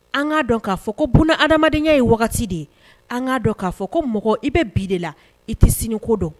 An k'a dɔn k'a fɔ ko b adamadamadenyakɛ ye wagati de ye an k'a dɔn k'a fɔ ko mɔgɔ i bɛ bi de la i tɛ siniko don